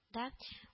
Да